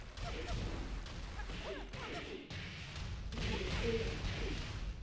весело